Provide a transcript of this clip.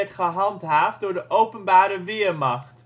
gehandhaafd door de Openbare Weermacht